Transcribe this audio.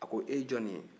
a ko '' e ye jɔn ye ''